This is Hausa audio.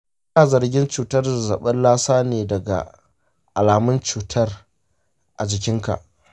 muna zargin cutar zazzafin lassa ne daga alamun cutar a jikinka.